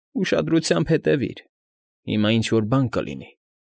Ուշադրությամբ հտեևի՛ր, հիմա ինչ֊որ բան կլինի։